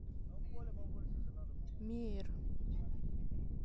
мейр